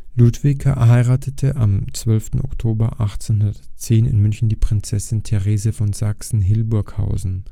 Ludwig heiratete am 12. Oktober 1810 in München die Prinzessin Therese von Sachsen-Hildburghausen